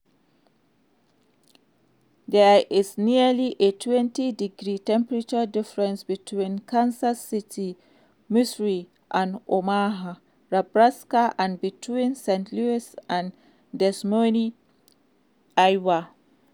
There is nearly a 20-degree temperature difference between Kansas City, Missouri, and Omaha, Nebraska, and between St. Louis and Des Moines, Iowa.